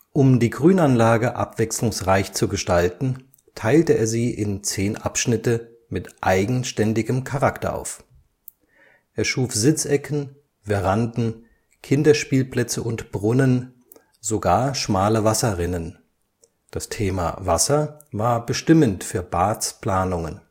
Um die Grünanlage abwechslungsreich zu gestalten, teilte er sie in zehn Abschnitte mit eigenständigem Charakter auf. Er schuf Sitzecken, Veranden, Kinderspielplätze und Brunnen, sogar schmale Wasserrinnen – das Thema Wasser war bestimmend für Barths Planungen